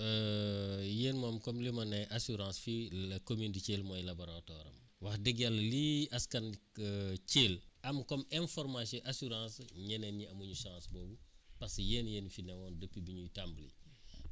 yéen moom comme li ma ne assurance fii la commune de Thièl mooy laboratoir am wax dëgg yàlla lii askan Thièl am comme information assurance ñeneen ñi amuñu chance boobu parce que yéen yéen a fi newoon depuis bi muy tàmbali